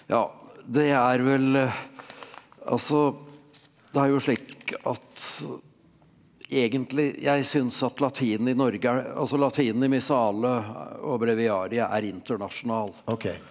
ja det er vel altså det er jo slik at egentlig jeg synes at latinen i Norge er altså latinen i Missale og breviariet er internasjonal.